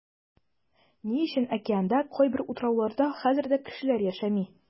Ни өчен океанда кайбер утрауларда хәзер дә кешеләр яшәми?